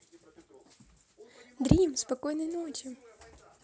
dream спокойной ночи